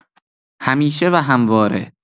همیشه و همواره